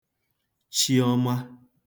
Chiọma